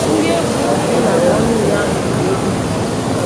Ndị egwu 12 niile ahụ gwuru egwu nke ọma.